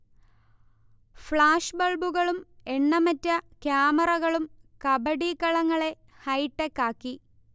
flash ബൾബുകളും എണ്ണമറ്റ ക്യാമറകളും കബഡി കളങ്ങളെ ഹൈടെക്കാക്കി